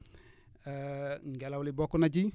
ngelaw li bokk na ci